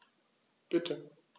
Bitte.